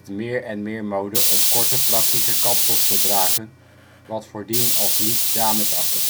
meer en meer mode om korte praktische kapsels te dragen, wat voordien als ' niet damesachtig